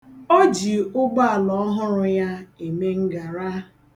O ji ụgbọala ọhụrụ ya eme ngara.